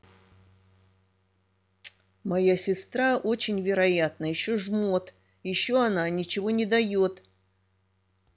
моя сестра очень вероятная еще жмот и еще она ничего не дает